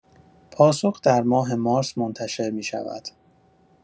پاسخ در ماه مارس منتشر می‌شود.